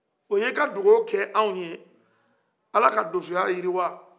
o ye i ka dugaw kɛ anw ye ala ka donsoya jiriwa